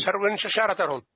'Sa rywun isio siarad ar hwn?